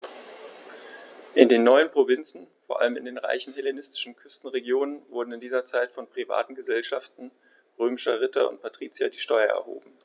In den neuen Provinzen, vor allem in den reichen hellenistischen Küstenregionen, wurden in dieser Zeit von privaten „Gesellschaften“ römischer Ritter und Patrizier die Steuern erhoben.